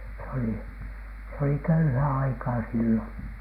se oli se oli köyhää aikaa silloin